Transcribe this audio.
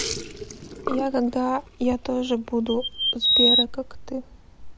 а когда я тоже буду сбера как ты